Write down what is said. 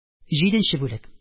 Җиденче бүлек